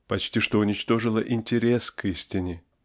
почти что уничтожила интерес к истине.